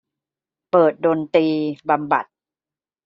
เปิดดนตรีบำบัด